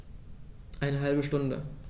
Eine halbe Stunde